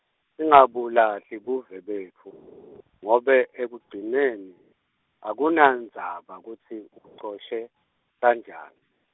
singabulahli buve betfu , ngobe ekugcineni, akunendzaba kutsi, ucoshe kanjani.